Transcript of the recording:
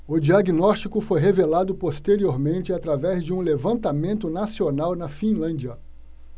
o diagnóstico foi revelado posteriormente através de um levantamento nacional na finlândia